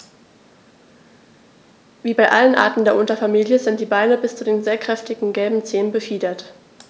Wie bei allen Arten der Unterfamilie sind die Beine bis zu den sehr kräftigen gelben Zehen befiedert.